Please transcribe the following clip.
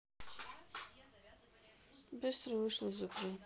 быстро вышел из игры